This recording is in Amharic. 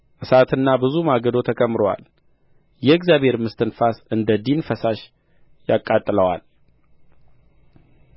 እሳትና ብዙ ማገዶ ተከምሮአል የእግዚአብሔርም እስትንፋስ እንደ ዲን ፈሳሽ ያቃጥለዋል